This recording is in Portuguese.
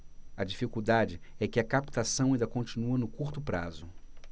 a dificuldade é que a captação ainda continua no curto prazo